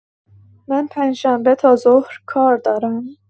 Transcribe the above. من پنجشنبه تا ظهر کار دارم.